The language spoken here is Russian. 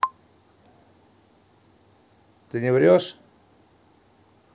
ты не врешь